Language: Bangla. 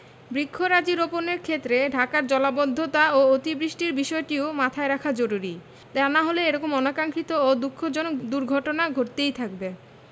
বৃক্ষরাজি রোপণের ক্ষেত্রে ঢাকার জলাবদ্ধতা ও অতি বৃষ্টির বিষয়টিও মাথায় রাখা জরুরী তা না হলে এ রকম অনাকাংক্ষিত ও দুঃখজনক দুর্ঘটনা ঘটতেই থাকবে